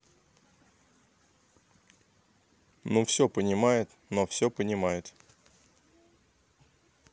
ну все понимает но все понимает